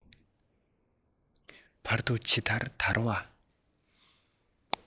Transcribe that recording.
བར དུ ཇི ལྟར དར བ